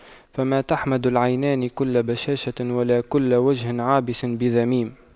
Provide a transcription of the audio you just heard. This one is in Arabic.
فما تحمد العينان كل بشاشة ولا كل وجه عابس بذميم